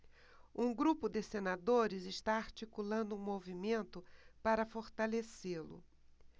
um grupo de senadores está articulando um movimento para fortalecê-lo